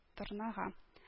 Торнага